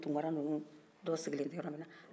nin tunkara nunun dɔ siginlen tɛ yɔrɔ min na